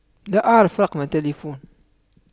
لا اعرف رقم تلفون